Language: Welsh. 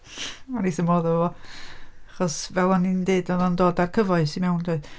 O'n i wrth fy modd efo fo achos fel o'n i'n dweud oedd o'n dod â'r cyfoes i mewn doedd.